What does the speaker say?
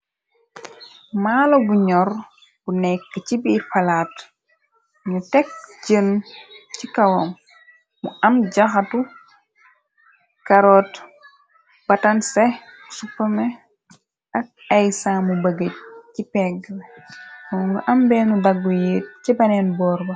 Maalo gu ñyor bu nekk ci biir palaat nu tekk jënn ci kawam mu am jaxatu karot batanse supamé ak ay saamu bëgga ci pegg ngu am beenu baggu yéet ci beneen boorba.